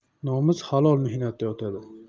nomus halol mehnatda yotadi